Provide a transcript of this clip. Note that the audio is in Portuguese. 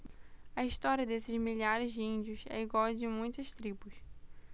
a história desses milhares de índios é igual à de muitas tribos